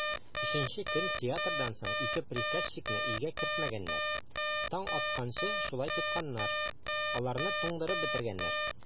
Өченче көн театрдан соң ике приказчикны өйгә кертмәгәннәр, таң атканчы шулай тотканнар, аларны туңдырып бетергәннәр.